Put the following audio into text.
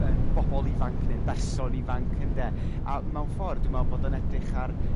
yn bobl ifanc ne'n berson ifanc ynde? A mewn ffor' dwi'n meddwl bod yn edrych ar